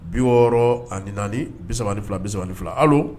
Biwɔ ani naani bisa ni fila bisa ni fila